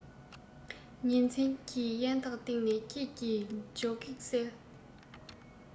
ཉིན མཚན གྱི དབྱེ ཐིག སྟེང ནས ཁྱེད ཀྱི འཇོ སྒེག གསལ